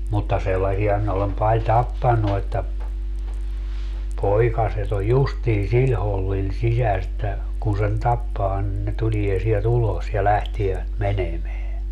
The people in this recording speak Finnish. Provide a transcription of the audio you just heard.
mutta sellaisia minä olen paljon tappanut että poikaset on justiin sillä hollilla sisässä että kun sen tappaa niin ne tulee sieltä ulos ja lähtevät menemään